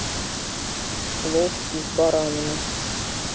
плов из баранины